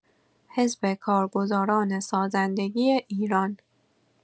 حزب کارگزاران سازندگی ایران